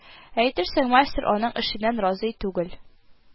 Әйтерсең мастер аның эшеннән разый түгел